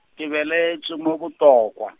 ke belegetšwe mo Botlokwa.